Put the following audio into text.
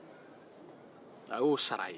a 'o sara a ye